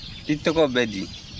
i tɔgɔ bɛ di